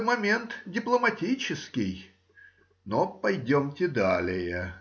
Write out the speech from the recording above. момент дипломатический. Но пойдемте далее